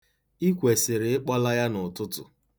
I kwesịrị ịkpọla ya n'ụtụtụ.